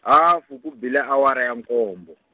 hafu ku bile awara ya nkombo.